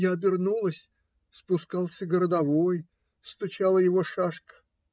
Я обернулась: спускался городовой, стучала его шашка.